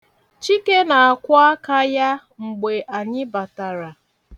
Chike na-akwọ aka ya mgbe anyị batara.